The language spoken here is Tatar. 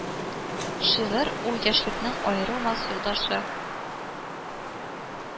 Шигырь ул яшьлекнең аерылмас юлдашы